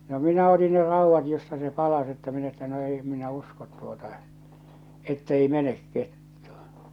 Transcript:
no minä otin ne raudat josta se palasi että minä että no ei en minä usko tuota että ei mene kettu